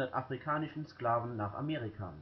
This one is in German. afrikanischen Sklaven nach Amerika